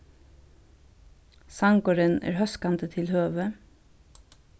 sangurin er hóskandi til høvið